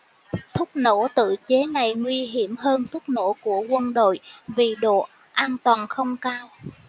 thuốc nổ tự chế này nguy hiểm hơn thuốc nổ của quân đội vì độ an toàn không cao